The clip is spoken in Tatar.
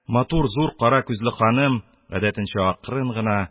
Матур зур кара күзле ханым, гадәтенчә акрын гына,